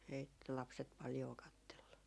ei lapset paljoa katsellut